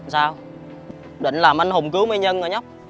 sao định làm anh hùng cứu mỹ nhân hả nhóc